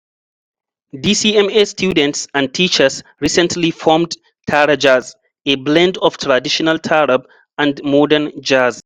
DCMA students and teachers recently formed "TaraJazz", a blend of traditional taarab and modern jazz.